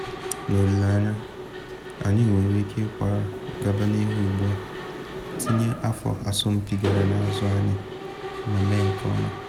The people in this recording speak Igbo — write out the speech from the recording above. N’olile anya, anyị nwere ike ịkwara gaba n’ihu ugbu a, tinye afọ asọmpi gara n’azụ anyị ma mee nke ọma.”